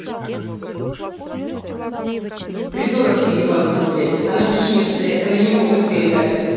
придурок ты ебанутый блять она же не ест блядь она не может передать